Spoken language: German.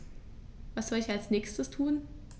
Was soll ich als Nächstes tun?